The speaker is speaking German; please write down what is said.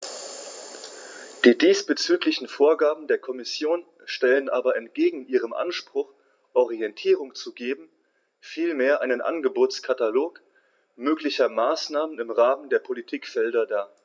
Die diesbezüglichen Vorgaben der Kommission stellen aber entgegen ihrem Anspruch, Orientierung zu geben, vielmehr einen Angebotskatalog möglicher Maßnahmen im Rahmen der Politikfelder dar.